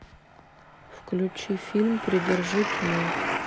включи фильм придержи тьму